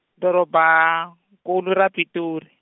dorobankulu ra Pitori.